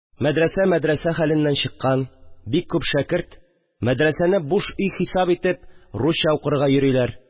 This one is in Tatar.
Мәдрәсә мәдрәсә хәленнән чыккан: бик күп шәкерт, мәдрәсәне буш өй хисап итеп, русча укырга йөриләр